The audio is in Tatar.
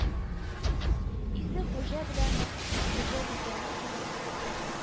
Исе, хуҗа белән хуҗабикәнең теленнән